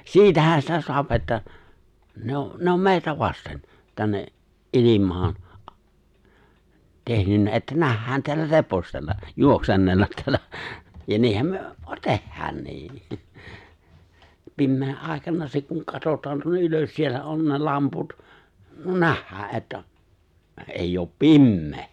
siitähän sitä saa että ne on ne on meitä vasten tänne ilmaan tehnyt että nähdään täällä repostella juoksennella täällä ja niinhän me tehdäänkin pimeän aikana se kun katsotaan tuonne ylös siellä on ne lamput nähdään että ei ole pimeä